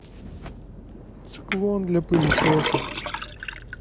циклон для пылесоса